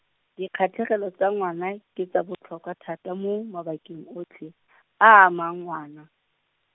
dikgatlhegelo tsa ngwana, ke tsa botlhokwa thata mo mabakeng otlhe , a a amang ngwana.